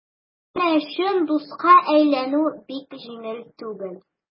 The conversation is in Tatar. Әмма чын дуска әйләнү бик җиңел түгел.